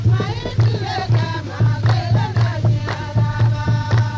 maa y'i tile kɛ maa kelen tɛ diɲɛ laban